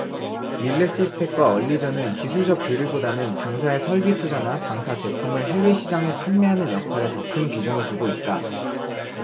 밀레시스텍과 얼리젼은 기술적 교류 보다는 당사에 설비 투자나 당사 제품을 해외시장에 판매하는 역할에 더 큰 비중을 두고 있다